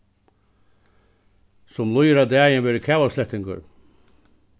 sum líður á dagin verður kavaslettingur